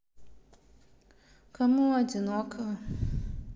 кому одиноко